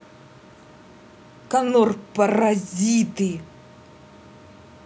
conor паразиты